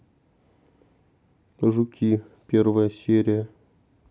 жуки первая серия